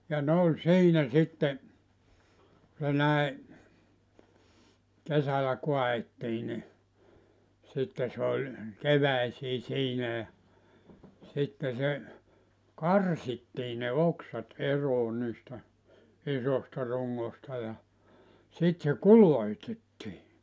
ja ne oli siinä sitten kun se näin kesällä kaadettiin niin sitten se oli keväisin siinä ja sitten se karsittiin ne oksat eroon niistä isoista rungoista ja sitten se kulotettiin